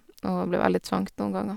Og det ble veldig trangt noen ganger.